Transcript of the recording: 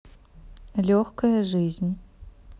легкая жизнь